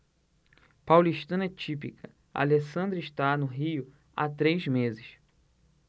paulistana típica alessandra está no rio há três meses